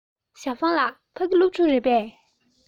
ཞའོ ཧྥུང ལགས ཕ གི སློབ ཕྲུག རེད པས